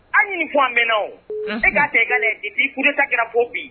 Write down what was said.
An ni fɔ an mɛnna ne ka kɛga bipiurereta kɛra fɔ bi